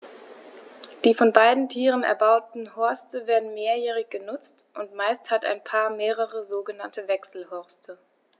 Die von beiden Tieren erbauten Horste werden mehrjährig benutzt, und meist hat ein Paar mehrere sogenannte Wechselhorste.